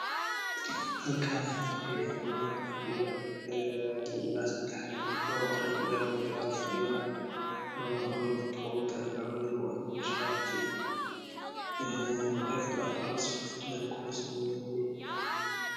Halkan waxaa fa dhiyo niman ee ilaa sadex nin labana horey fadhiyaan midna gadaal uu fa dhiyaa labada horay fadhido mid waxa uu wataa funanad madow ah midna shaati kurasay kufadhiyaan